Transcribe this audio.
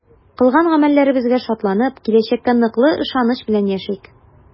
Кылган гамәлләребезгә шатланып, киләчәккә ныклы ышаныч белән яшик!